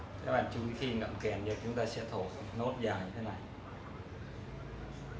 các bạn chú ý chúng sẽ tập thổi dài như thế này